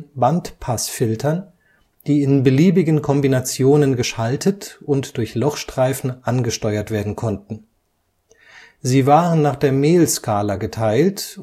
Bandpassfiltern, die in beliebigen Kombinationen geschaltet und durch Lochstreifen angesteuert werden konnten. Sie waren nach der Mel-Skala geteilt